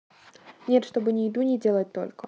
нет чтобы не иду ни делать только